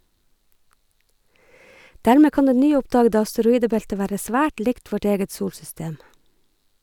Dermed kan det nyoppdagede asteroidebelte være svært likt vårt eget solsystem.